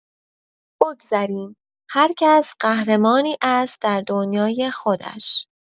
بگذریم، هرکس قهرمانی است در دنیای خودش.